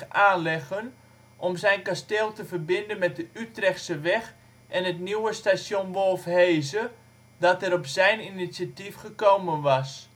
aanleggen om zijn kasteel te verbinden met de Utrechtseweg en het nieuwe station Wolfheze, dat er op zijn initiatief gekomen was